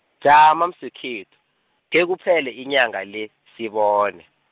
jama mswekhethu, khekuphele inyanga le, sibone.